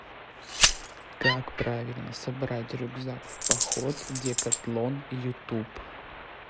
как правильно собрать рюкзак в поход декатлон youtube